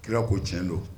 Kira ko cɛn don.